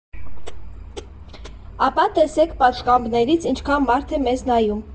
Ապա տեսեք պատշգամբներից ինչքան մարդ է մեզ նայում։